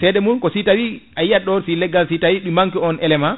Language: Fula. seede mum ko si tawi a yiyat ɗo si leggal si tawi ɗi manque ki on élément